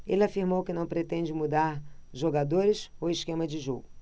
ele afirmou que não pretende mudar jogadores ou esquema de jogo